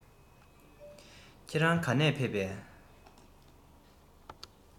ཁྱེད རང ག ནས ཕེབས པས